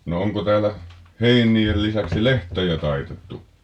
no onko täällä heinien lisäksi lehtiä taitettu